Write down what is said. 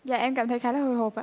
dạ em cảm thấy khá hồi hộp